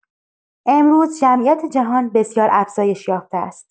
امروز جمعیت جهان بسیار افزایش یافته است.